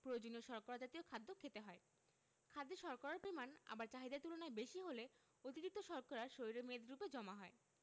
প্রয়োজনীয় শর্করা জাতীয় খাদ্য খেতে হয় খাদ্যে শর্করার পরিমাণ আবার চাহিদার তুলনায় বেশি হলে অতিরিক্ত শর্করা শরীরে মেদরুপে জমা হয়